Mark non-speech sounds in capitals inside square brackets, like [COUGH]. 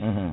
[HESITATION] [HESITATION]